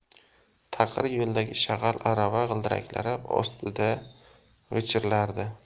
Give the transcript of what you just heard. taqir yo'ldagi shag'al arava g'ildiraklari ostida g'ichirlardi